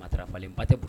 Matarafalen ba tɛ